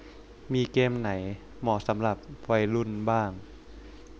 เกมไหนเหมาะสำหรับวัยรุ่นบ้าง